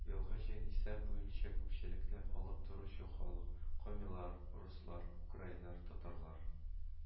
Елгы җанисәп буенча күпчелекне алып торучы халык: комилар, руслар, украиннар, татарлар